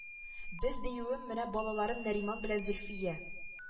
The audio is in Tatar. Без диюем менә балаларым нәриман белән зөлфия